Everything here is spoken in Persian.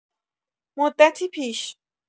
مدتی پیش